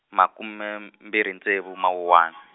makume mbirhi ntsevu Mawuwani.